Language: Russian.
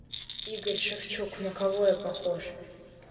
игорь шевчук на кого я похож